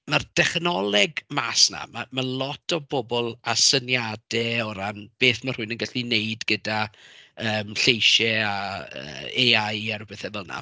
Ma'r dechnoleg mas 'na, ma' ma' lot o bobl â syniadau o ran beth ma' rhywun yn gallu neud gyda lleisiau a yy AI a ryw bethe fel 'na.